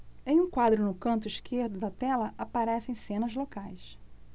em um quadro no canto esquerdo da tela aparecem cenas locais